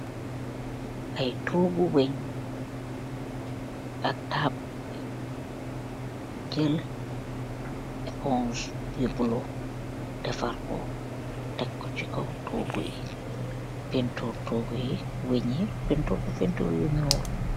Aiy togu wenn, ak tabuli wenn, di jel eponse yu blue, defarko, teko chi kaw togu yi. Paintur togu yi, wenn yi paintur ko paintur yu nyull.